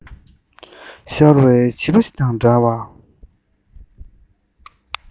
ཤོར བའི བྱིས པ ཞིག དང འདྲ བར